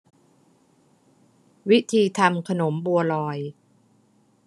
วิธีทำขนมบัวลอย